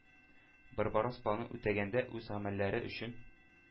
“барбаросс” планын үтәгәндә үз гамәлләре өчен